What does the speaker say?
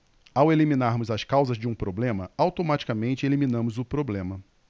ao eliminarmos as causas de um problema automaticamente eliminamos o problema